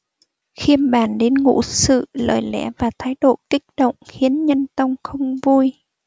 khiêm bàn đến ngũ sự lời lẽ và thái độ kích động khiến nhân tông không vui